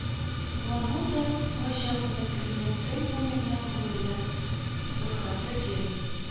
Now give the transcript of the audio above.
Лану да кайчакны көннең көн буена күңелне сыкратып йөри